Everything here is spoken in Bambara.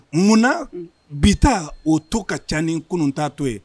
Munna bi ta o taux ka caa ni kunun ta taux ye?